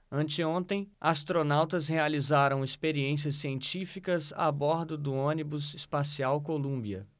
anteontem astronautas realizaram experiências científicas a bordo do ônibus espacial columbia